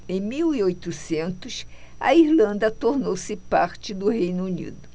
em mil e oitocentos a irlanda tornou-se parte do reino unido